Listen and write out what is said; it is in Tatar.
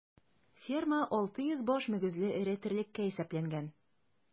Ферма 600 баш мөгезле эре терлеккә исәпләнгән.